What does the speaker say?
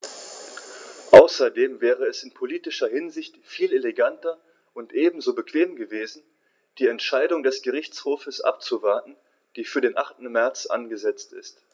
Außerdem wäre es in politischer Hinsicht viel eleganter und ebenso bequem gewesen, die Entscheidung des Gerichtshofs abzuwarten, die für den 8. März angesetzt ist.